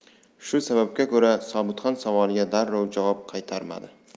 shu sababga ko'ra sobitxon savoliga darrov javob qaytarmadi